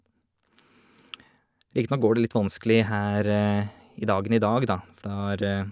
Riktignok går det litt vanskelig her i dagen i dag da, for da har...